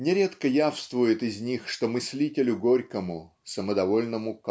Нередко явствует из них, что мыслителю Горькому, самодовольном